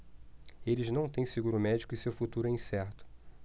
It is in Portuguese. eles não têm seguro médico e seu futuro é incerto